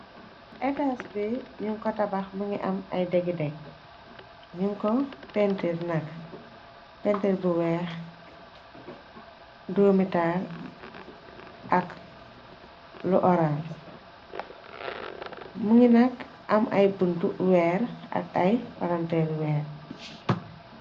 Etas bi ñuñ ko tabax mi ngi am ay degi deg ñuñ ko nakk pentir bu weex 2 mital ak lu horang mu ngi nak am ay bunt weer ak ay paranteli weer.